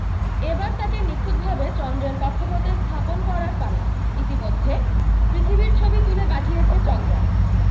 এ বার তাকে নিখুঁতভাবে চাঁদের কক্ষপথে স্থাপন করার পালা ইতিমধ্যে পৃথিবীর ছবি তুলে পাঠিয়েছে চন্দ্র্যান